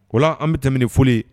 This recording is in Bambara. O la an bɛ tɛmɛ ni fɔli ye.